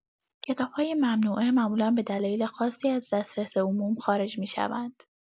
کتاب‌های ممنوعه معمولا به دلایل خاصی از دسترس عموم خارج می‌شوند.